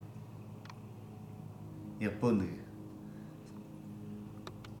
ཡག པོ འདུག